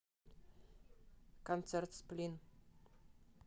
концерт сплин